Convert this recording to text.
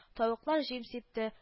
Тавыклар җим сипте